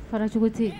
Fara cogo tɛ